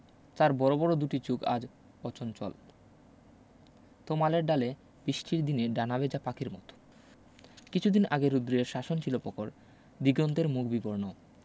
তার বড় বড় দুটি চোখ আজ অচঞ্চল তমালের ডালে বৃষ্টির দিনে ডানা ভেজা পাখির মত কিছুদিন আগে রুদ্রের শাসন ছিল পখর দিগন্তের মুখ বিবর্ণ